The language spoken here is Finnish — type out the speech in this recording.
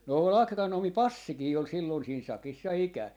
no oli agronomi Passikin oli silloin siinä sakissa ja ikään